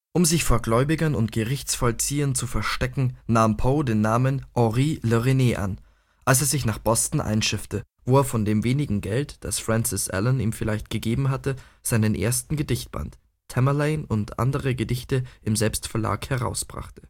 Um sich vor Gläubigern und Gerichtsvollziehern zu verstecken, nahm Poe den Namen Henri le Rennêt an, als er sich nach Boston einschiffte, wo er von dem wenigen Geld, das Frances Allan ihm vielleicht gegeben hatte, seinen ersten Gedichtband: „ Tamerlane und andere Gedichte “im Selbstverlag herausbrachte